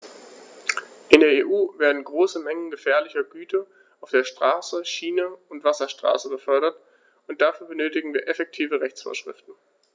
In der EU werden große Mengen gefährlicher Güter auf der Straße, Schiene und Wasserstraße befördert, und dafür benötigen wir effektive Rechtsvorschriften.